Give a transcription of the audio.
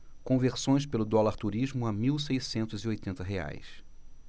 conversões pelo dólar turismo a mil seiscentos e oitenta reais